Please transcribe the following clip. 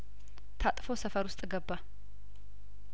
ታጥፎ ሰፈር ውስጥ ገባ